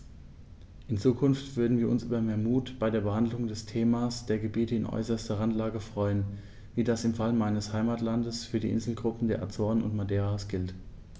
In Zukunft würden wir uns über mehr Mut bei der Behandlung des Themas der Gebiete in äußerster Randlage freuen, wie das im Fall meines Heimatlandes für die Inselgruppen der Azoren und Madeiras gilt.